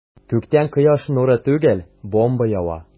Күктән кояш нуры түгел, бомба ява.